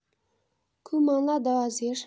ཁོའི མིང ལ ཟླ བ ཟེར